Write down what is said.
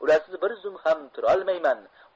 ularsiz bir zum ham turolmayman